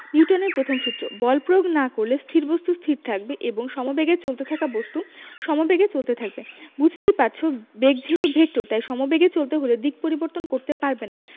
নিউটনের প্রথম সূত্র বল প্রয়োগ না করলে স্থির বস্তু স্থির থাকবে এবং সমেবেগে চলতে থাকা বস্তু সমেবেগে চলতে থাকবে বুঝতেই পারছ বেগ যেহেতু ভেক্টর তাই সমবেগে চলতে হলে দিক পরিবর্তন করতে পারবে না